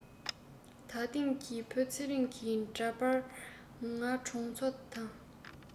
ད ཐེངས ཀྱི བུ ཚེ རིང གི འདྲ པར ང གྲོང ཚོ དང